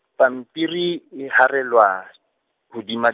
pampiri, e harela, hodima.